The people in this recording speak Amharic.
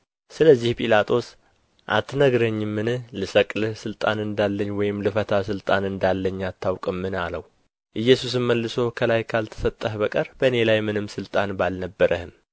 ስለዚህ ጲላጦስ አትነግረኝምን ልሰቅልህ ሥልጣን እንዳለኝ ወይም ልፈታህ ሥልጣን እንዳለኝ አታውቅምን አለው ኢየሱስም መልሶ ከላይ ካልተሰጠህ በቀር በእኔ ላይ ምንም ሥልጣን ባልነበረህም